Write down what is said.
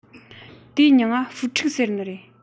དེའི མྱིང ང ཧྥུའུ ཁྲུག ཟེར ནི རེད